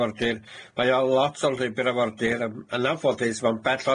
afordir mae o lot o lwybyr afordir yym yn anffodus mae o'n bell